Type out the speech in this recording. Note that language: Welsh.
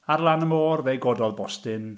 Ar lan y môr, fe gododd bostyn.